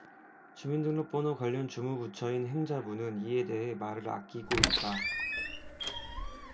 주민등록번호 관련 주무 부처인 행자부는 이에 대해 말을 아끼고 있다